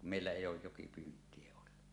kun meillä ei ole jokipyyntiä ollut